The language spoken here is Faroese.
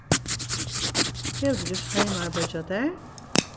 hevur tú gjørt heimaarbeiðið hjá tær